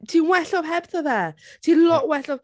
Ti'n well off hebddo fe. Ti'n lot well off...